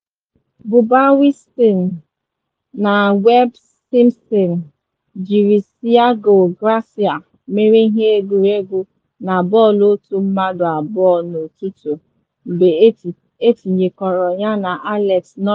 Bubba Watson na Webb Simpson jiri Sergio Garcia mere ihe egwuregwu na bọọlụ otu mmadụ abụọ n’ụtụtụ, mgbe etinyekọrọ yana Alex Noren.